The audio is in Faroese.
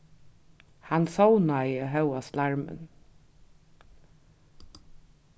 hann sovnaði hóast larmin